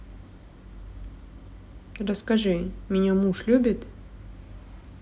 расскажи меня муж любит